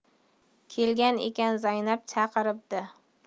kelgan ekan zaynab chaqiribdi